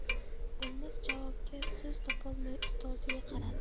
o'lmas javobga so'z topolmay ustoziga qaradi